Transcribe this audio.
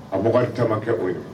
A bakarijan caman kɛ o ye